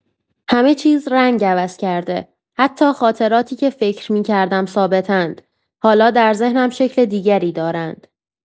همه‌چیز رنگ عوض کرده، حتی خاطراتی که فکر می‌کردم ثابت‌اند، حالا در ذهنم شکل دیگری دارند.